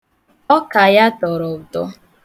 ̣Ọka ya tọrọ ụtọ.